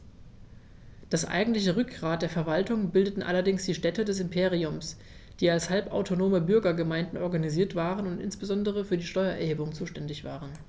Das eigentliche Rückgrat der Verwaltung bildeten allerdings die Städte des Imperiums, die als halbautonome Bürgergemeinden organisiert waren und insbesondere für die Steuererhebung zuständig waren.